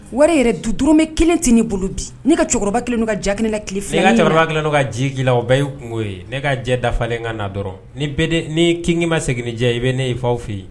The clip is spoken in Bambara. Wɛrɛ yɛrɛ du durunmɛ kelen tɛ ni bolo di ne ka cɛkɔrɔba kelen n ka ja kelen la ki fɛ i ka caba kelen' ka ji la o bɛɛ ye' kun ye ne ka jɛ dafalen ka na dɔrɔn ni bɛɛ ni kini ma segin jɛ i bɛ ne' faw fɛ yen